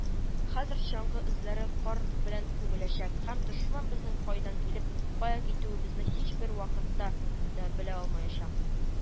Хәзер чаңгы эзләре кар белән күмеләчәк һәм дошман безнең кайдан килеп, кая китүебезне һичбер вакытта да белә алмаячак